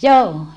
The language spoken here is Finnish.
joo